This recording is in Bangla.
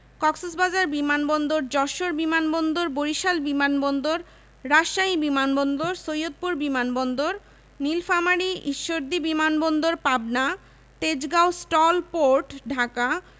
পাবদা আইড় রিঠা পাঙ্গাস শিং মাগুর কৈ লোনাপানির মাছ রূপচাঁদা ছুরি ভেটকি লইট্ট পোয়া ইত্যাদি